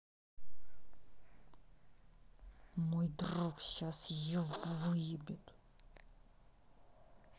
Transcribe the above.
мой друг сейчас я выебет